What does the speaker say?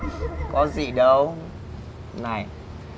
có gì đâu này